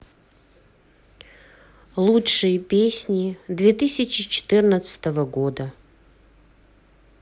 лучшие песни две тысячи четырнадцатого года